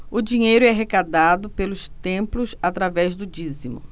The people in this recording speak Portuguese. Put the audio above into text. o dinheiro é arrecadado pelos templos através do dízimo